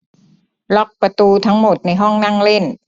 ล็อกประตูทั้งหมดในห้องนั่งเล่น